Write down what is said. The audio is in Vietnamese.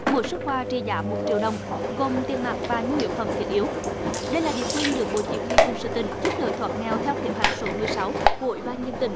mỗi suất quà trị giá một triệu đồng gồm tiền mặt và nhu yếu phẩm thiết yếu đây là địa phương được bộ chỉ huy quân sự tỉnh giúp đỡ thoát nghèo theo kế hoạch số mười sáu hội ban nhân tỉnh